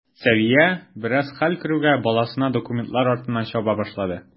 Сәвия, бераз хәл керүгә, баласына документлар артыннан чаба башлады.